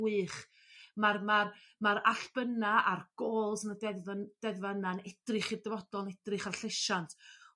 gwych ma'r ma'r ma'r allbynna' ar gols yn y ddeddf yn deddfa' yna'n edrych i'r dyfodol edrych ar lleisiant .